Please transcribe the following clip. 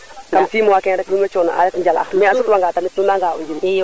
kon six keene fop nuun wey coono ayo njala mais a sutwanga tamit nuun na nga a o njiriñ